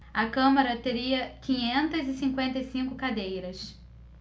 a câmara teria quinhentas e cinquenta e cinco cadeiras